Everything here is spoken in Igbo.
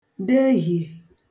dehiè